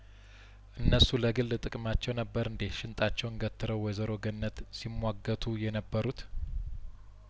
እነሱ ለግል ጥቅማቸው ነበር እንዴ ሽን ጣቸውን ገትረው ወይዘሮ ገነት ሲሟገቱ የነበሩት